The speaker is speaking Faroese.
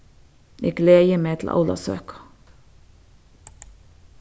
eg gleði meg til ólavsøku